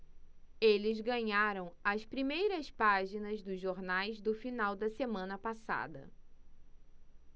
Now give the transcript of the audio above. eles ganharam as primeiras páginas dos jornais do final da semana passada